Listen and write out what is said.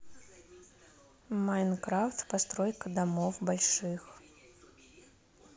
майнкрафт постройка домов больших